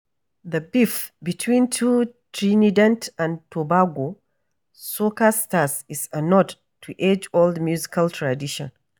The beef between two Trinidad and Tobago soca stars is a nod to age-old musical traditions